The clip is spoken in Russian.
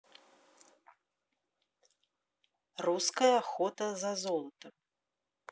русская охота за золотом